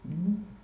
no